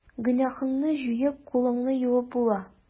Гөнаһыңны җуеп, кулыңны юып була.